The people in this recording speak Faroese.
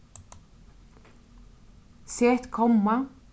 set komma